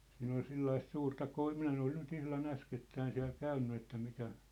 siinä oli sellaista suurta - minä en ole nyt ihan äskettäin siellä käynyt että mikä